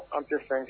An te fɛn